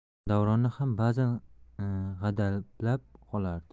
davronni ham bazan g'adablab qolardi